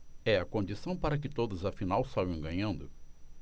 é a condição para que todos afinal saiam ganhando